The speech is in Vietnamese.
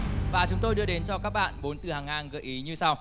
và chúng tôi đưa đến cho các bạn bốn từ hàng ngang gợi ý như sau